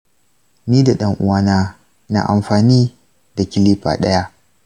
ni da ɗan uwa na na amfani da kilipa ɗaya.